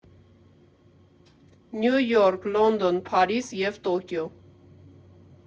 Նյու Յորք, Լոնդոն, Փարիզ և Տոկիո։